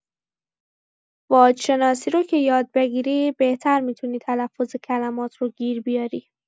واج‌شناسی رو که یاد بگیری، بهتر می‌تونی تلفظ کلمات روگیر بیاری.